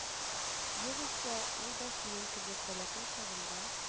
Югыйсә, ул да синең кебек бәләкәй чагында